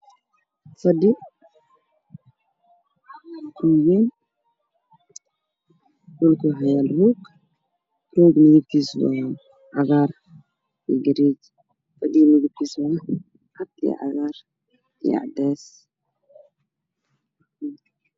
Fadhi qolweyn dalkana waxaa yeelo shumac buluug iyo cagaar iyo cadees